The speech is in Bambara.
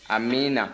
amiina